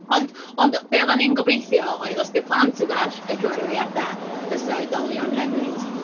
Ond ond be oedden i'n gobeithio oedd, os 'di plant yn deall y cyfarwyddiadau, fysa oedolion hefyd.